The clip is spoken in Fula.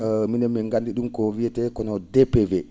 minen min nganndi ?um ko wiyetee kono DPV